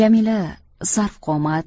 jamila sarvqomat